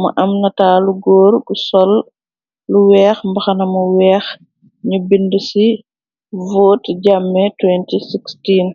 mu am nataalu góor gu sol lu weex mbaxanamu weex ñu bindi ci voot jàmme 2016.